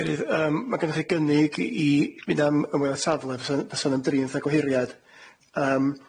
S'gadeirydd yym ma' gynna chi gynnig i i fynd am ymwelwyr tafla fysa'n fysa'n amdrin fatha gwahuriad yym.